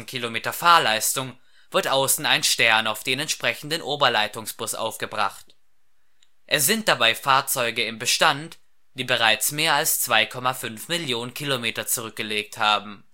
Kilometer Fahrleistung wird außen ein Stern auf den entsprechenden Oberleitungsbus aufgebracht. Es sind dabei Fahrzeuge im Bestand, die bereits mehr als 2,5 Millionen Kilometer zurückgelegt haben